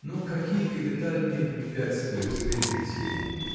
Но какие капитальные препятствия встретились ему?